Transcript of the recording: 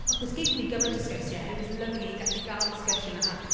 Achos gaethon ni gymaint o sgyrsiau, and it was lovely gallu gael y sgyrsiau 'na...